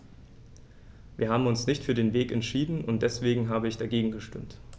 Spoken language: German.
Wir haben uns nicht für diesen Weg entschieden, und deswegen habe ich dagegen gestimmt.